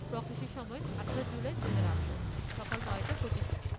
প্রকাশের সময় ১৮ জুলাই ২০১৮ সকাল ৯টা ২৫ মিনিট